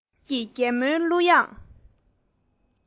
དཔྱིད ཀྱི རྒྱལ མོའི གླུ དབྱངས